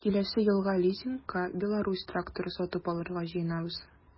Киләсе елга лизингка “Беларусь” тракторы сатып алырга җыенабыз.